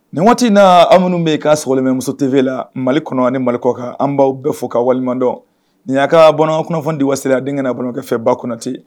Nin waati in na aw minnu be yen ka sɔgɔlen bɛ muso V T la Mali kɔnɔ ni mali kɔ kan an baw bɛɛ fo ka waleɲuman dɔn .Nin ya ka Bamanankan kunnafoni di waati sera a denkɛ na balimakɛ fɛ ba konate